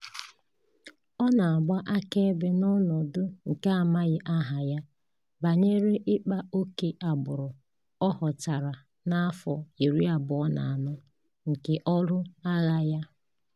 Ọ na-agba akaebe na ọnọdụ nke amaghị aha ya banyere ịkpa oke agbụrụ ọ hụtara n'afọ 24 nke ọrụ agha ya: